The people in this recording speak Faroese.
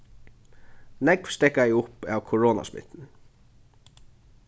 nógv steðgaði upp av koronasmittuni